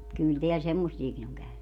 kyllä täällä semmoisiakin on käynyt